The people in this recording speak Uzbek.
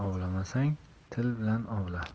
ovlamasang til bilan ovla